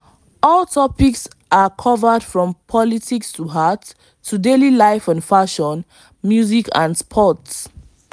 All topics are covered from politics to arts, to daily life and fashion, music and sports.